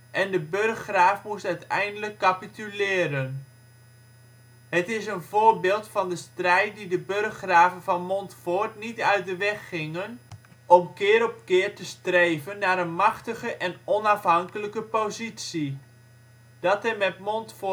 en de burggraaf moest uiteindelijk capituleren. Het is een voorbeeld van de strijd die de burggraven van Montfoort niet uit de weg gingen om keer op keer te streven naar een machtige en onafhankelijke positie. Dat er met Montfoort niet te spotten viel